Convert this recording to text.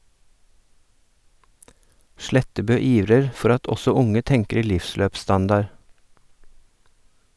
Slettebø ivrer for at også unge tenker livsløpsstandard.